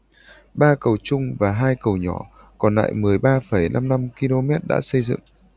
ba cầu trung và hai cầu nhỏ còn lại mười ba phẩy năm năm ki lô mét đã xây dựng